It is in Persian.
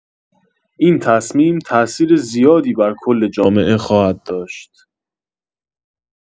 این تصمیم، تاثیر زیادی بر کل جامعه خواهد داشت.